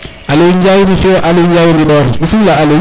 Aliou NDiaye nam fio Aliou NDiaye o Ndindor